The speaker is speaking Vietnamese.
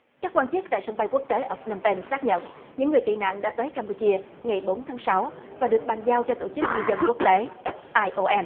các quan chức tại sân bay quốc tế ở pờ nôm pênh xác nhận những người tị nạn đã tới cam pu chia ngày bốn tháng sáu và được bàn giao cho tổ chức di dân quốc tế ai âu em